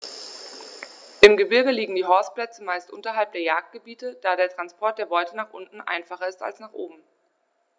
Im Gebirge liegen die Horstplätze meist unterhalb der Jagdgebiete, da der Transport der Beute nach unten einfacher ist als nach oben.